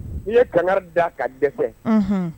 I ye kangari daa ka dɛsɛ unhun